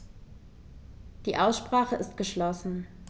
Die Aussprache ist geschlossen.